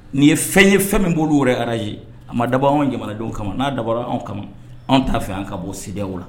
Nin ye fɛn ye fɛn min b'olu wɛrɛ arranger a ma dabɔ anw jamanadenw kama, n'a dabɔra anw kama, anw ta fɛ an ka bɔ CEDEAO la.